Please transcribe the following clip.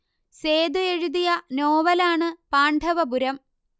സേതു എഴുതിയ നോവലാണ് പാണ്ഡവപുരം